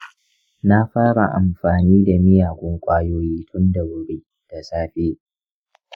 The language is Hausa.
na fara amfani da miyagun ƙwayoyi tun da wuri da safe.